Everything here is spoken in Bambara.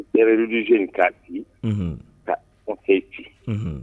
Guerre religieux in k'a ci ka conseil ci